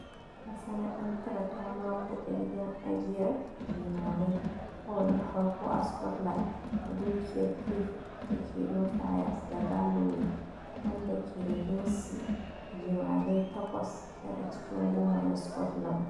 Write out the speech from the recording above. Masana’antar ta ma bude gidan ajiyar jemagai kawai na farko a Scotland a Dukiyar Threave dake Dumfires da Galloway, wanda ke da jinsi jemagai 8 daga cikin goma na Scotland.